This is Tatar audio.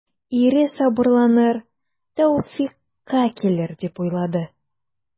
Ире сабырланыр, тәүфыйкка килер дип уйлады.